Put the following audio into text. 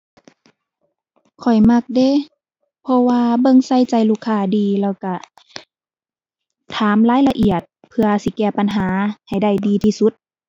ข้อยมักเดะ เพราะว่าเบิ่งใส่ใจลูกค้าดีแล้วก็ถามรายละเอียด เพื่อสิแก้ปัญหาให้ได้ดีที่สุด